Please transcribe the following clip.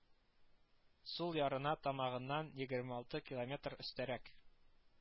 Сул ярына тамагыннан егерме алты километр өстәрәк